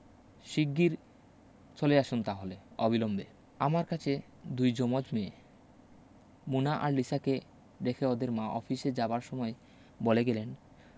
শিগগির চলে আসুন তাহলে অবিলম্বে আমার কাছে দুই জমজ মেয়ে মোনা আর লিসাকে রেখে ওদের মা অফিসে যাবার সময় বলে গেলেন